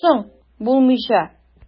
Соң, булмыйча!